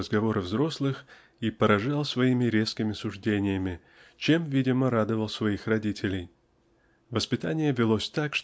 в разговоры взрослых и поражал своими резкими суждениями чем видимо радовал своих родителей. Воспитание велось так